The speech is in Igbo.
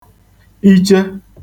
iche